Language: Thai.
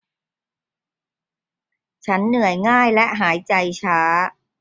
ฉันเหนื่อยง่ายและหายใจช้า